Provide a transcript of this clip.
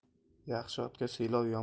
yaxshi otga siylov